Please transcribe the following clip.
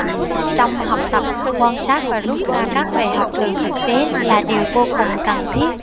trong học tập quan sát và rút ra các bài học từ thực tế là điều vô cùng cần thiết